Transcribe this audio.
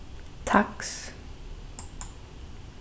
taks